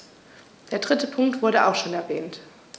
Der dritte Punkt wurde auch schon erwähnt.